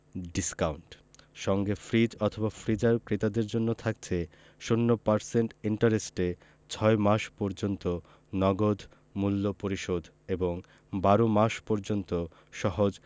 discount সঙ্গে fridge freezer ক্রেতাদের জন্য থাকছে ০% ইন্টারেস্টে ৬ মাস পর্যন্ত নগদ মূল্য পরিশোধ এবং ১২ মাস পর্যন্ত সহজ